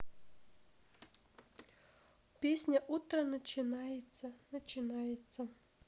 песня утро начинается начинается